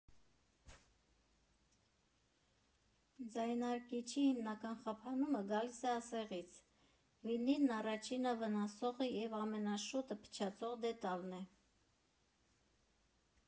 Ձայնարկիչի հիմնական խափանումը գալիս է ասեղից՝ վինիլն առաջինը վնասող և ամենաշուտը փչացող դետալն է։